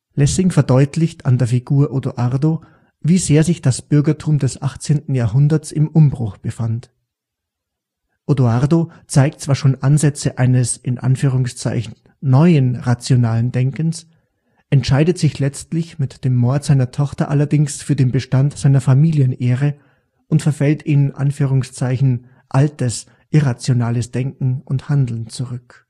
Lessing verdeutlicht an der Figur Odoardo, wie sehr sich das Bürgertum des 18. Jahrhunderts im Umbruch befand. Odoardo zeigt zwar schon Ansätze eines " neuen " rationalen Denkens. Entscheidet sich letztlich mit dem Mord seiner Tochter allerdings für den Bestand seiner Familienehre und verfällt in " altes " irrationales Denken und Handeln zurück